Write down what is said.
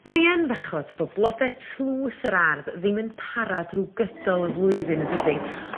Mae yn bechod bo' blode tlws yr ardd ddim yn para drw gydol y flwyddyn yndydi?